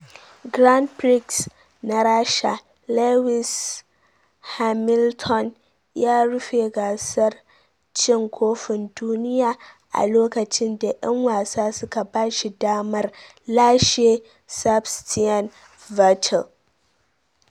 Grand Prix na Rasha: Lewis Hamilton ya rufe gasar cin kofin duniya a lokacin da 'yan wasa suka ba shi damar lashe Sebastian Vettel